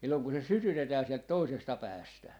silloin kun se sytytetään sieltä toisesta päästä